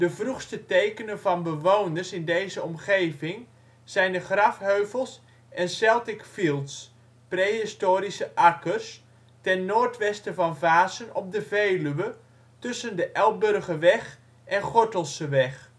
vroegste tekenen van bewoners in deze omgeving zijn de grafheuvels en ' Celtic Fields ' (prehistorische akkers) ten noordwesten van Vaassen op de Veluwe, tussen de Elburgerweg en Gortelseweg